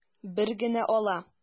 Бер генә ала.